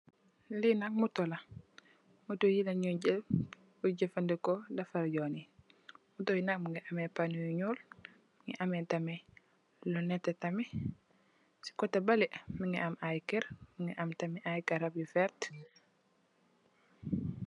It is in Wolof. Li nak moto la, moto yi la ñgi jél di jafandiko defarr yooni yi. Motto yi nak ñu ngi ameh puno yu ñuul, mugii am tamit lu netteh tamit si koteh baleh mugii am ay kèr mugii am tam ay garap yu werta.